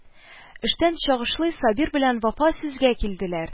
Эштән чыгышлый, Сабир белән Вафа сүзгә килделәр: